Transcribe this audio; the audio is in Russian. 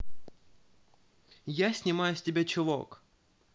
я снимаю с тебя чулок